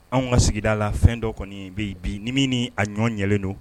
Anw ka sigida la fɛn dɔ kɔni be yen bi ni min na ɲɔnɲɛlen don.